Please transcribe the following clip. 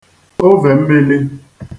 ovèmmīlī